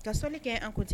Ka soli kɛ an kunigi